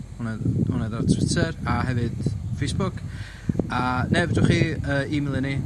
...ma' hwnna ma' hwnna fel Twitter a hefyd Facebook a ne' fedrwch chi yy emailo ni...